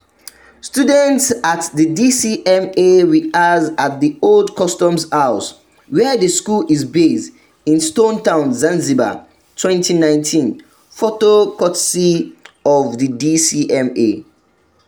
Students at the DCMA rehearse at the Old Customs House, where the school is based, in Stone Town, Zanzibar, 2019. Photo courtesy of the DCMA.